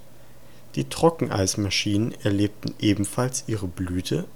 Trockeneismaschinen erlebten ebenfalls ihre Blüte